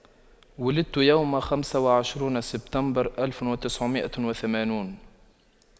ولدت يوم خمسة وعشرون سبتمبر ألف وتسعمئة وثمانون